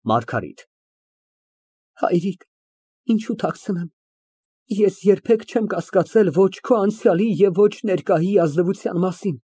ՄԱՐԳԱՐԻՏ ֊ Հայրիկ, ինչու թաքցնեմ, ես երբեք չեմ կասկածել ոչ քո անցյալի և ոչ ներկայի ազնվության մասին։